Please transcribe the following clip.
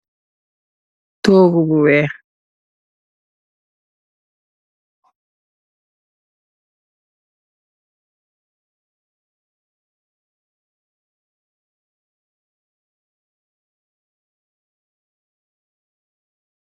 Toogu bu weex